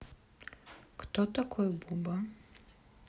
кто такой буба